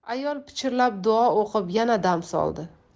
ayol pichirlab duo o'qib yana dam soldi